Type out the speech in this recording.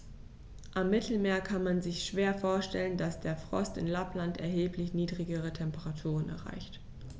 Am Mittelmeer kann man sich schwer vorstellen, dass der Frost in Lappland erheblich niedrigere Temperaturen erreicht.